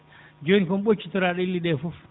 joni ko mi ɓoccitoraaɗo inɗe ɗee fof